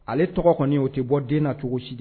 Ale tɔgɔ kɔni o tɛ bɔ den na cogo si de